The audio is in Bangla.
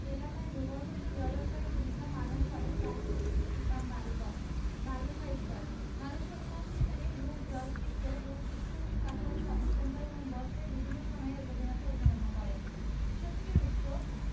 এলাকায় ভূগর্ভস্থ জলস্তরের ভূমিকা পালন করে প্লাইসটোসিন টিপাম বালুকর বালুকাস্তর বাংলাদেশের অধিকাংশ স্থানেই ভূ জল পৃষ্ঠ ভূ পৃষ্ঠের খুব কাছাকাছি অবস্থান করে এবং বৎসরের বিভিন্ন সময় এর গভীরতা উঠানামা করে শক্তির উৎস